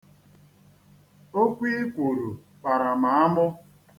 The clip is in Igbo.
Okwu i kwuru kpara m amụ.